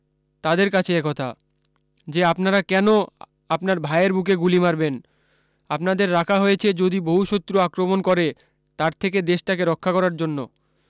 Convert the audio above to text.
তাদের কাছে একথা যে আপনারা কেন আপনার ভায়ের বুকে গুলি মারবেন আপনাদের রাখা হয়েছে যদি বহিঃশত্রু আক্রমণ করে তার থেকে দেশটাকে রক্ষা করার জন্য